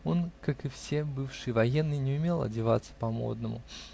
Он, как и все бывшие военные, не умел одеваться по-модному